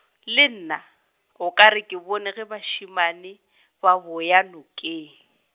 le nna, o ka re ke bone ge bašemane , ba boya nokeng.